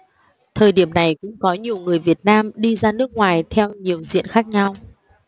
thời điểm này cũng có nhiều người việt nam đi ra nước ngoài theo nhiều diện khác nhau